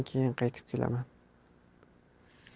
keyin qaytib kelaman